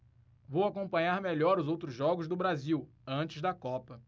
vou acompanhar melhor os outros jogos do brasil antes da copa